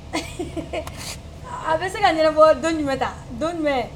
A bɛ se ka ninbɔ don jumɛn bɛ taa don jumɛn